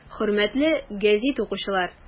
Хөрмәтле гәзит укучылар!